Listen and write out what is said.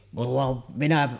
vaan minä